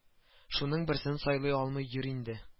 Шуның берсен сайлый алмый йөр инде